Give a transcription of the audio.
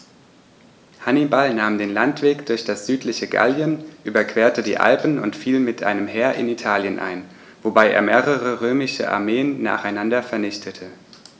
Hannibal nahm den Landweg durch das südliche Gallien, überquerte die Alpen und fiel mit einem Heer in Italien ein, wobei er mehrere römische Armeen nacheinander vernichtete.